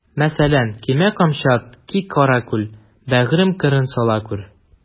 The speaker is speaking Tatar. Мәсәлән: Кимә камчат, ки каракүл, бәгърем, кырын сала күр.